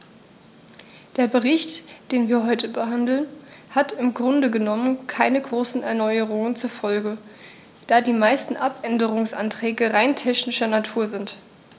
Der Bericht, den wir heute behandeln, hat im Grunde genommen keine großen Erneuerungen zur Folge, da die meisten Abänderungsanträge rein technischer Natur sind.